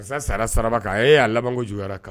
Masa sara saraba kan a ye'a laban juyara kan